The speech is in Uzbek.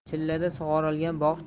chillada sug'orilgan bog'